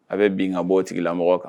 A bɛ bin ka bɔ tigila mɔgɔ kan